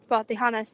t'bo 'di hanes